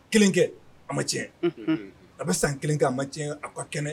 Kelen kɛ a ma tiɲɛ a bɛ san kelen kɛ a ma tiɲɛ a ka kɛnɛ